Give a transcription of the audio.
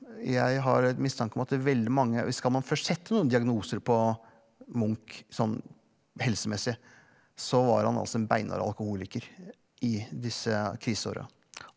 jeg har en mistanke om at veldig mange skal man først sette noen diagnoser på Munch sånn helsemessig så var han altså en beinhard alkoholiker i disse kriseåra.